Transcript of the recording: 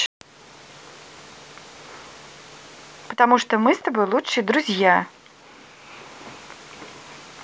потому что мы с тобой лучшие друзья